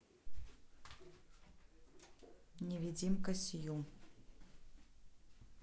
невидимка сью